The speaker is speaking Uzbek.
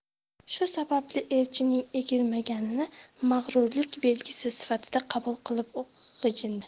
shu sababli elchinning egilmaganini mag'rurlik belgisi sifatida qabul qilib g'ijindi